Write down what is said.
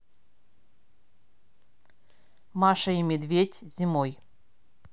маша и медведь зимой